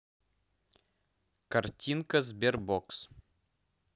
картинка sberbox